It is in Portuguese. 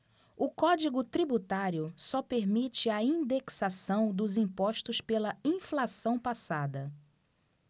o código tributário só permite a indexação dos impostos pela inflação passada